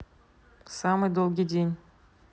самый долгий день